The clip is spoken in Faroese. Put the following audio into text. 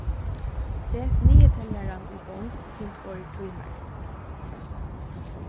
set niðurteljaran í gongd til tveir tímar